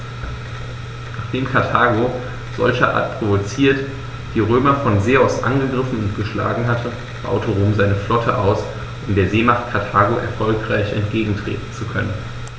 Nachdem Karthago, solcherart provoziert, die Römer von See aus angegriffen und geschlagen hatte, baute Rom seine Flotte aus, um der Seemacht Karthago erfolgreich entgegentreten zu können.